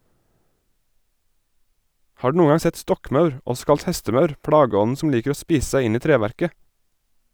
Har du noen gang sett stokkmaur, også kalt hestemaur, plageånden som liker å spise seg inn i treverket?